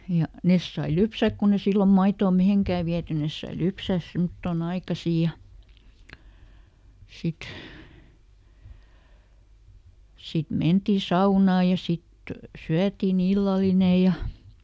ja ne sai lypsää kun ei silloin maitoa mihinkään viety ne sai lypsää semmottoon aikaisin ja sitten sitten mentiin saunaan ja sitten syötiin illallinen ja